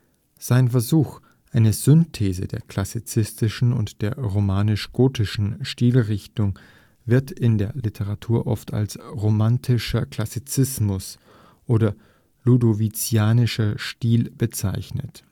Sein Versuch einer Synthese der klassizistischen und der romantisch-gotischen Stilrichtung wird in der Literatur oft als „ romantischer Klassizismus” oder „ ludovizianischer Stil” bezeichnet